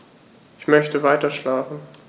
Ich möchte weiterschlafen.